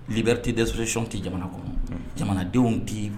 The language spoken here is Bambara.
Liberté d'expression ti jamana kɔnɔ unhun jamanadenw tii